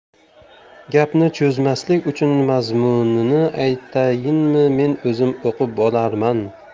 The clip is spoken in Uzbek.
gapni cho'zmaslik uchun mazmunini aytayinmi men o'zim o'qib olarman